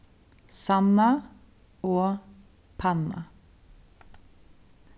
sanna og panna